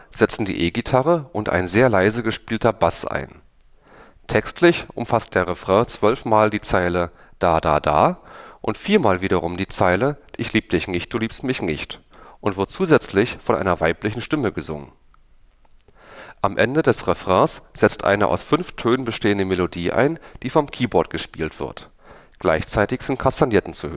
setzen die E-Gitarre und ein sehr leise gespielter Bass ein. Textlich umfasst der Refrain 12-mal die Zeile „ Da da da “und viermal wiederum die Zeile „ Ich lieb dich nicht du liebst mich nicht “und wird zusätzlich von einer weiblichen Stimme gesungen. Am Ende des Refrains setzt eine aus fünf Tönen bestehende Melodie ein, die vom Keyboard gespielt wird. Gleichzeitig sind Kastagnetten zu